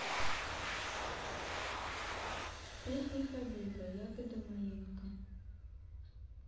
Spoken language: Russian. песни хабиба ягода малинка